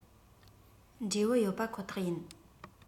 འབྲས བུ ཡོད པ ཁོ ཐག ཡིན